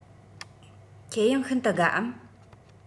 ཁྱེད ཡང ཤིན ཏུ དགའ འམ